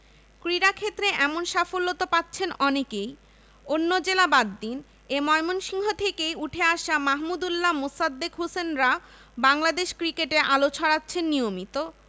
ক্রীড়াক্ষেত্রে এমন সাফল্য তো পাচ্ছেন অনেকেই অন্য জেলা বাদ দিন এ ময়মনসিংহ থেকেই উঠে আসা মাহমুদউল্লাহ মোসাদ্দেক হোসেনরা বাংলাদেশ ক্রিকেটে আলো ছড়াচ্ছেন নিয়মিত